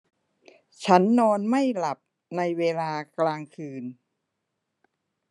ฉันนอนไม่หลับในเวลากลางคืน